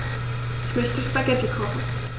Ich möchte Spaghetti kochen.